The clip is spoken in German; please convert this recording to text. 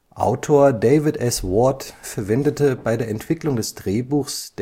Autor David S. Ward verwendete bei der Entwicklung des Drehbuchs